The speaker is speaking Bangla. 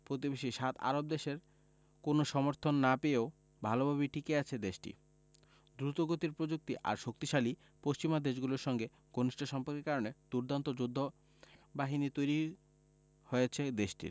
প্রতিবেশী সাত আরব দেশের কোনো সমর্থন না পেয়েও ভালোভাবেই টিকে আছে দেশটি দ্রুতগতির প্রযুক্তি আর শক্তিশালী পশ্চিমা দেশগুলোর সঙ্গে ঘনিষ্ঠ সম্পর্কের কারণে দুর্দান্ত যোদ্ধাবাহিনী তৈরি হয়েছে দেশটির